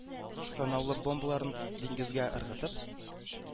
Санаулы бомбаларын диңгезгә ыргытып,